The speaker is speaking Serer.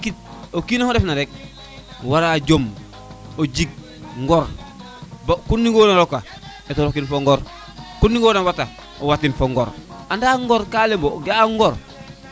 te yit o kino xu ref na rek wara jom o jig ŋor bo nurona roka fata rokin fo ŋor ku narona wata o watin fo ŋor anda ŋor ka lemo ga a ŋor